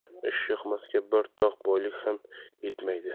ishyoqmasga bir tog' boylik ham yetmaydi